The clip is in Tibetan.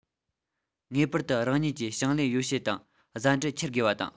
ངེས པར དུ རང ཉིད ཀྱིས ཞིང ལས ཡོ བྱད དང བཟའ འབྲུ འཁྱེར དགོས པ དང